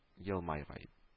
Елмайгай